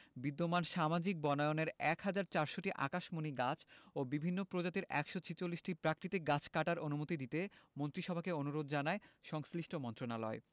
বিদ্যমান সামাজিক বনায়নের ১ হাজার ৪০০টি আকাশমণি গাছ ও বিভিন্ন প্রজাতির ১৪৬টি প্রাকৃতিক গাছ কাটার অনুমতি দিতে মন্ত্রিসভাকে অনুরোধ জানায় সংশ্লিষ্ট মন্ত্রণালয়